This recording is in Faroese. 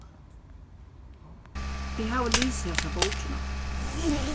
eg havi lisið hasa bókina